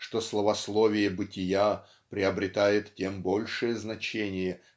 что славословие бытия приобретает тем большее значение